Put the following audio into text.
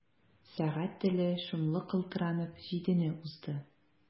Сәгать теле шомлы калтыранып җидене узды.